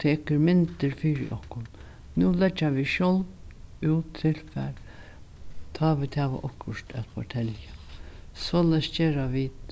tekur myndir fyri okkum nú leggja vit sjálv út tilfar tá vit hava okkurt at fortelja soleiðis gera vit